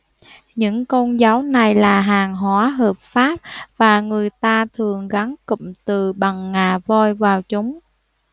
những con dấu này là hàng hóa hợp pháp và người ta thường gắn cụm từ bằng ngà voi vào chúng